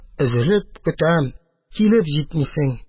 Өзелеп көтәм — килеп җитмисең!..